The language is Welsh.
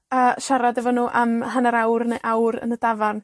A siarad efo nw am hannar awr ne' awr yn y dafarn.